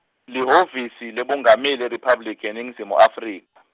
lihhovisi leBungameli IRiphabliki yeNingizimu Afri- .